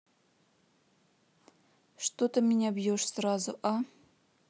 что ты меня бьешь сразу а